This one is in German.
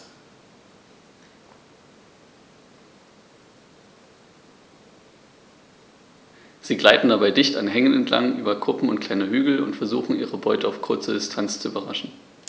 Sie gleiten dabei dicht an Hängen entlang, über Kuppen und kleine Hügel und versuchen ihre Beute auf kurze Distanz zu überraschen.